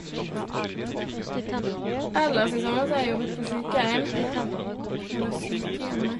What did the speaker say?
Ellers i sommer så har jeg jobbet på sjukeheim, eller sykehjemmet.